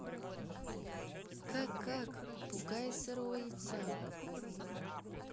как как попугай из сырого яйца